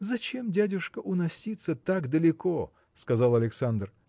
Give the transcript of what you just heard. – Зачем, дядюшка, уноситься так далеко? – сказал Александр